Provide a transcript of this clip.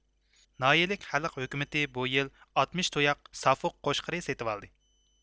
ناھىيىلىك خەلق ھۆكۈمىتى بۇ يىل ئاتمىش تۇياق سافۇق قوچقىرى سېتىۋالدى